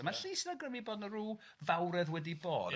A ma' llys yn agrymu bod 'na r'w fawredd wedi bod ... Ia...